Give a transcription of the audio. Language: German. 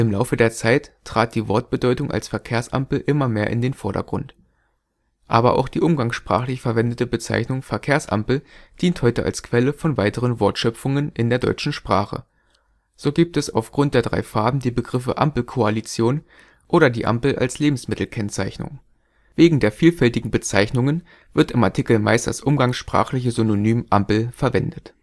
Laufe der Zeit trat die Wortbedeutung als Verkehrsampel immer mehr in den Vordergrund. Aber auch die umgangssprachlich verwendete Bezeichnung Verkehrsampel dient heute als Quelle von weiteren Wortschöpfungen in der deutschen Sprache. So gibt es auf Grund der drei Farben die Begriffe, Ampelkoalition oder die Ampel als Lebensmittelkennzeichnung. Wegen der vielfältigen Bezeichnungen wird im Artikel meist das umgangssprachliche Synonym Ampel verwendet